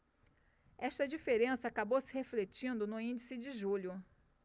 esta diferença acabou se refletindo no índice de julho